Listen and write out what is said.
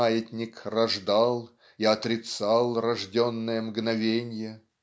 маятник рождал и отрицал рожденное мгновенье".